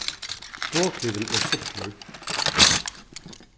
boðklivin er fullur